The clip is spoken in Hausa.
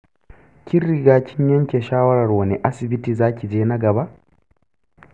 kin riga kin yanke shawarar wane asibiti za ki je na gaba?